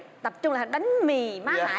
tập trung là bánh mì má hải